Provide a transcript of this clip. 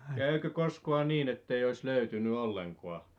kävikö koskaan niin että ei olisi löytynyt ollenkaan